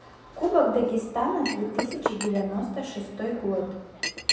кубок дагестана две тысячи девяносто шестой год